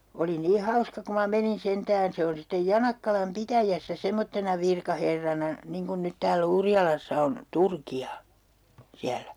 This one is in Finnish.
oli niin hauska kun minä menin sentään se on sitten Janakkalan pitäjässä semmoisena virkaherrana niin kuin nyt täällä Urjalassa on Turkia siellä